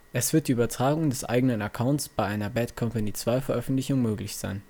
Es wird die Übertragung des eigenen Accounts bei einer „ Bad Company 2 “- Veröffentlichung möglich sein